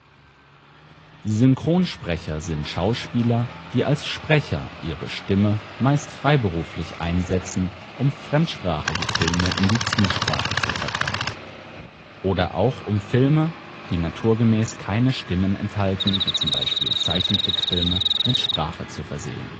Synchronsprecher sind Schauspieler, die als Sprecher ihre Stimme meist freiberuflich einsetzen, um fremdsprachige Filme in die Zielsprache zu übertragen oder Filme, die naturgemäß keine Stimmen enthalten, wie zum Beispiel Zeichentrickfilme mit Sprache zu versehen